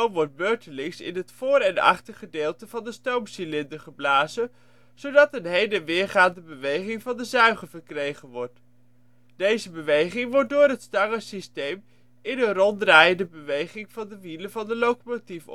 wordt beurtelings in het voor - en achtergedeelte van de stoomcilinder geblazen, zodat een heen - en weergaande beweging van de zuiger verkregen wordt. Deze beweging wordt door het stangensysteen (2), (5) in een ronddraaiende beweging van de wielen van de locomotief